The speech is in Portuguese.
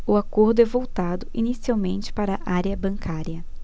o acordo é voltado inicialmente para a área bancária